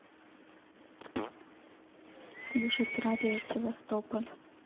слушать радио севастополь